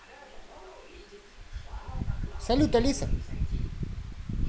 салют алиса